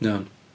Iawn